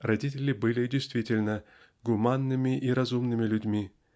Родители были действительно гуманными и разумными людьми